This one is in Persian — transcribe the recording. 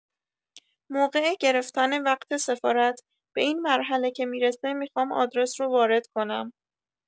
موقع گرفتن وقت سفارت به این مرحله که می‌رسه میخوام ادرس رو وارد کنم